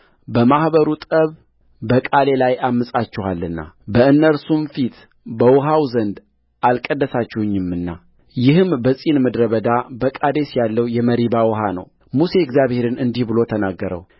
በማኅበሩ ጠብ በቃሌ ላይ ዐምፃችኋልና በእነርሱም ፊት በውኃው ዘንድ አልቀደሳችሁኝምና ይህም በጺን ምድረ በዳ በቃዴስ ያለው የመሪባ ውኃ ነውሙሴም እግዚአብሔርን እንዲህ ብሎ ተናገረው